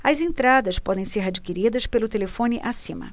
as entradas podem ser adquiridas pelo telefone acima